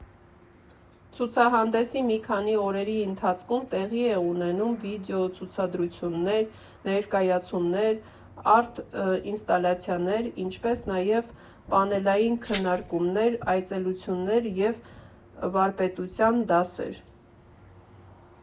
Ցուցահանդեսի մի քանի օրերի ընթացքում տեղի են ունենում վիդեո֊ցուցադրություններ, ներկայացումներ, արտ֊ինստալացիաներ, ինչպես նաև պանելային քննարկումներ, այցելություններ և վարպետության դասեր։